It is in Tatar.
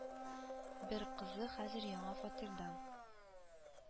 Бер кызы хәзер яңа фатирда